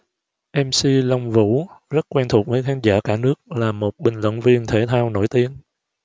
mc long vũ rất quen thuộc với khán giả cả nước là một bình luận viên thể thao nổi tiếng